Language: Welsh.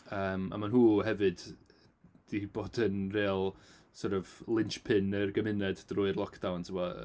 Yym a maen nhw hefyd 'di bod yn real sort of lynchpin i'r gymuned drwy'r lockdown timod.